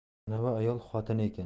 anavi ayol xotini ekan